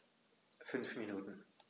5 Minuten